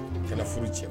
Kɛlɛ furu cɛ